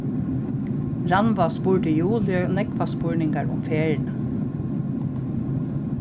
rannvá spurdi juliu nógvar spurningar um ferðina